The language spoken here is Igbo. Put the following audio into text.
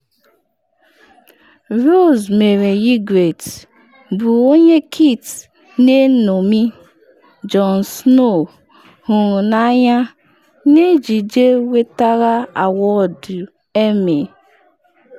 Rose mere Ygritte, bụ onye Kit na eṅomi, Jon Snow hụrụ n’anya, n’ejije nwetara awọdụ Emmy.